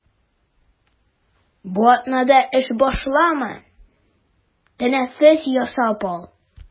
Бу атнада эш башлама, тәнәфес ясап ал.